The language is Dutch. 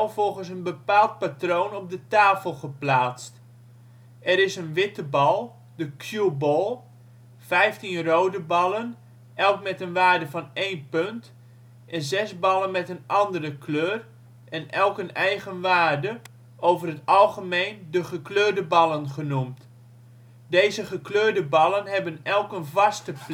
volgens een bepaald patroon op de tafel geplaatst. Er is een witte bal (de cue ball), vijftien rode ballen (elk met een waarde van 1 punt) en zes ballen met een andere kleur en elk een eigen waarde, over het algemeen de gekleurde ballen genoemd. Deze gekleurde ballen hebben elk een vaste plek